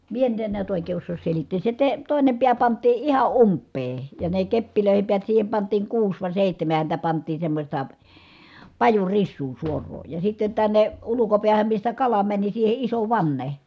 minä nyt en näet oikein osaa selittää se - toinen pää pantiin ihan umpeen ja ne keppeihin päät siihen pantiin kuusi vai seitsemän häntä pantiin semmoista pajurisua suoraa ja sitten tänne ulkopäähän mistä kala meni siihen iso vanne